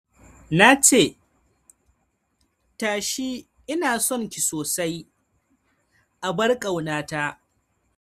Na ce, "Tashi, ina son ki sosai, abar ƙaunata.